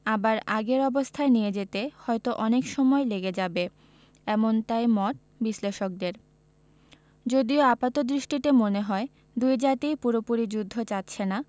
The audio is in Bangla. আবার আগের অবস্থায় নিয়ে যেতে হয়তো অনেক সময় লেগে যাবে এমনটাই মত বিশ্লেষকদের যদিও আপাতদৃষ্টিতে মনে হয় দুই জাতিই পুরোপুরি যুদ্ধ চাচ্ছে না